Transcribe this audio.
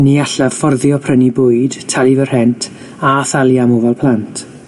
Ni allaf fforddio prynu bwyd, talu fy rhent, a thalu am ofal plant.